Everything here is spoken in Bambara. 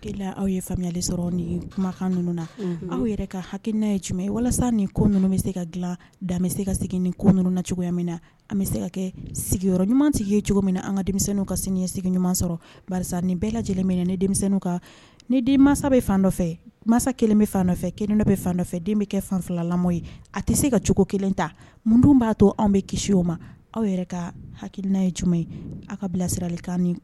Se ka dila ni ko ninnu min na an bɛ se ka kɛ sigiyɔrɔ ɲumansigi cogo min na an ka denmisɛnninw ka sini ɲuman sɔrɔ ni bɛɛ lajɛlenminɛ na ne denmisɛnninw kan ni den mansa bɛ fanfɛ masa kelen bɛ fan nɔfɛ kelen bɛ fanfɛ den bɛ kɛ fanfalama ye a tɛ se ka cogo kelen ta mun dun b'a to anw bɛ kisi o ma aw yɛrɛ ka haina ye cogo aw ka bilasirali kan